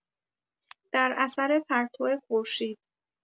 در اثر پرتو خورشید